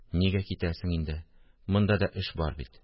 – нигә китәсең инде? монда да эш бар бит